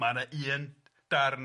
Ma' yna un darn.